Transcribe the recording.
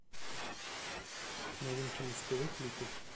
новинки муз тв клипы